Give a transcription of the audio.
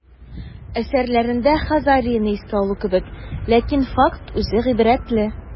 Әсәрләрендә Хазарияне искә алу кебек, ләкин факт үзе гыйбрәтле.